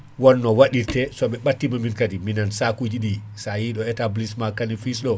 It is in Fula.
wonno waɗirte soɓe ɓattima min kaadi minen sakuji ɗi sa yeeyi ɗo établissement Kane et fils ɗo